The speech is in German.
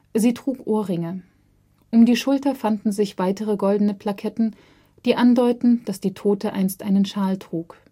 Sie trug Ohrringe. Um die Schulter fanden sich weitere goldene Plaketten, die andeuten, dass die Tote einst einen Schal trug